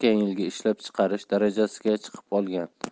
yilgi ishlab chiqarish darajasiga chiqib olgan